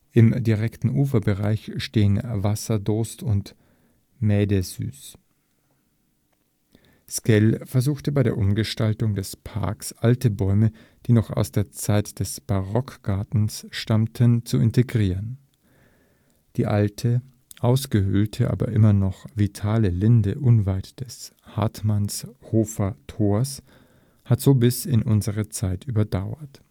Im direkten Uferbereich stehen Wasserdost und Mädesüß. Sckell versuchte bei der Umgestaltung des Parks alte Bäume, die noch aus der Zeit des Barockgartens stammten, zu integrieren. Die uralte, ausgehöhlte, aber immer noch vitale Linde unweit des Hartmannshofer Tors hat so bis in unsere Zeit überdauert